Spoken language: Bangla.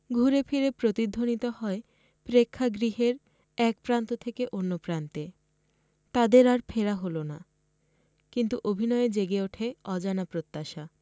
ঘুরে ফিরে প্রতিধ্বনিত হয় প্রেক্ষাগৃহের এক প্রান্ত থেকে অন্য প্রান্তে তাদের আর ফেরা হল না কিন্তু অভিনয়ে জেগে ওঠে অজানা প্রত্যাশা